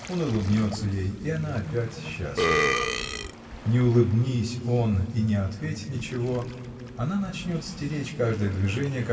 он улыбнется ей, и она опять счастлива. Не улыбнись он и не ответь ничего она начнет стеречь каждое движение